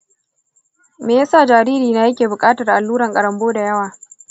me yasa jaririna yake bukatar alluran ƙarambo da yawa?